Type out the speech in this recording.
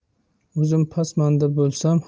o'zim pasmanda bo'lsam